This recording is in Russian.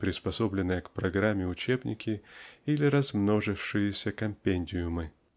приспоеобленные к программе учебники или размножившиеся компендиумы.